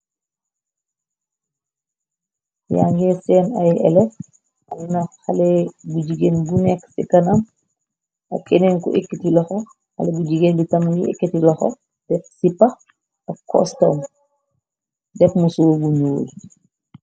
Yaa nge seen ay ele duna xale bu jigéen bu nekk ci kanam ak keneen ku ekati loxo xale bu jigéen bi tamangi ekkati loxo def sipa ak costom def musow bu nuul.